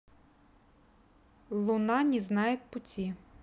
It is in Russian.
луна не знает пути